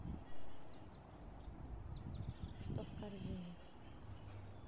что в корзине